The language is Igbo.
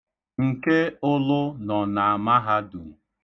Nke ụlụ nọ na mahadum.